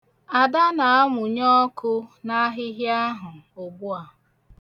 Ada na-amunye ọkụ n'ahịhịa ahụ ugbu a.